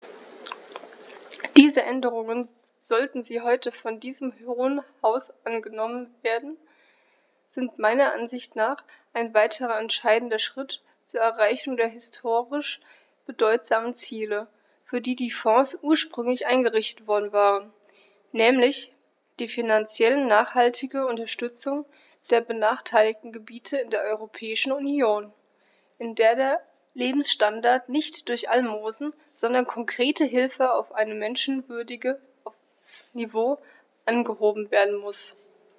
Diese Änderungen, sollten sie heute von diesem Hohen Haus angenommen werden, sind meiner Ansicht nach ein weiterer entscheidender Schritt zur Erreichung der historisch bedeutsamen Ziele, für die die Fonds ursprünglich eingerichtet worden waren, nämlich die finanziell nachhaltige Unterstützung der benachteiligten Gebiete in der Europäischen Union, in der der Lebensstandard nicht durch Almosen, sondern konkrete Hilfe auf ein menschenwürdiges Niveau angehoben werden muss.